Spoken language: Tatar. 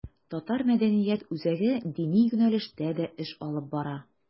Татар мәдәният үзәге дини юнәлештә дә эш алып бара.